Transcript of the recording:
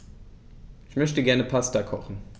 Ich möchte gerne Pasta kochen.